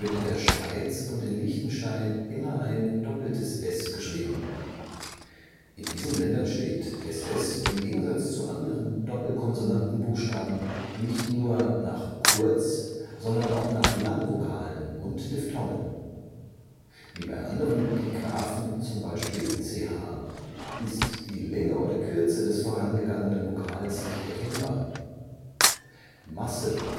in der Schweiz und in Liechtenstein immer ss geschrieben. In diesen Ländern steht ss – im Gegensatz zu anderen Doppelkonsonantenbuchstaben – nicht nur nach Kurz -, sondern auch nach Langvokalen und Diphthongen. Wie bei anderen Digraphen (z. B. ch) ist die Länge oder Kürze des vorangehenden Vokals nicht erkennbar (Masse